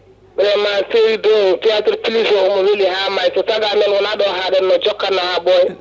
vraiment série deux o théâtre fra plus o omo weeli ha maayi so saagamen wona ɗo o haɗanno o jokkanno ha ɓooya